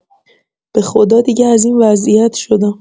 بخدا دیگه از این وضیعت شدم.